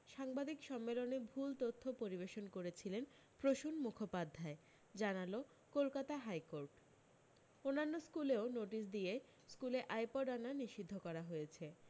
সাংবাদিক সম্মেলনে ভুল তথ্য পরিবেশন করেছিলেন প্রসূন মুখোপাধ্যায় জানালো কলকাতা হাইকোর্ট অন্যান্য স্কুলেও নোটিশ দিয়ে স্কুলে আইপড আনা নিষিদ্ধ করা হয়েছে